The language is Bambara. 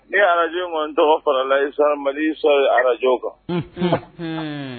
Ne araj kɔni tɔgɔ fara la isa mali isa ye arajw kan